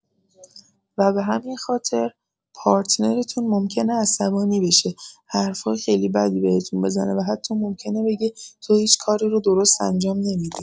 و به همین خاطر، پارتنرتون ممکنه عصبانی بشه، حرف‌های خیلی بدی بهتون بزنه و حتی ممکنه بگه «تو هیچ کاری رو درست انجام نمی‌دی!»